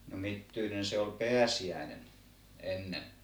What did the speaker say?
no mittyinen se oli pääsiäinen ennen